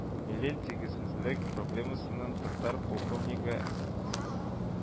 Милли тигезсезлек проблемасының татар полковнигы